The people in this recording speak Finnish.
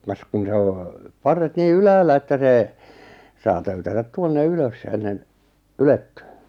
kas kun se on parret niin ylhäällä että se saa töytätä tuonne ylös ennen ylettyy